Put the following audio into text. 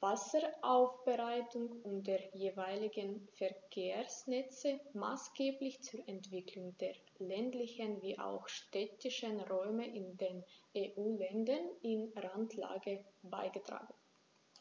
Wasseraufbereitung und der jeweiligen Verkehrsnetze maßgeblich zur Entwicklung der ländlichen wie auch städtischen Räume in den EU-Ländern in Randlage beigetragen.